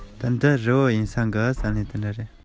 བསྲུབས ཇ བླུགས ཏེ